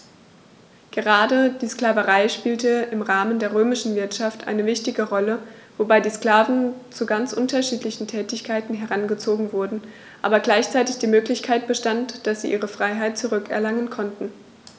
Gerade die Sklaverei spielte im Rahmen der römischen Wirtschaft eine wichtige Rolle, wobei die Sklaven zu ganz unterschiedlichen Tätigkeiten herangezogen wurden, aber gleichzeitig die Möglichkeit bestand, dass sie ihre Freiheit zurück erlangen konnten.